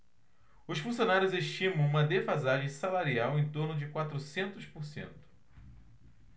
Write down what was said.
os funcionários estimam uma defasagem salarial em torno de quatrocentos por cento